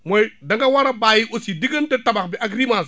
mooy da nga war a bàyyi aussi diggante tabax bi ak rimage bi